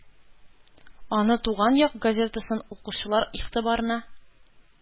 Аны «Туган як» газетасын укучылар игътибарына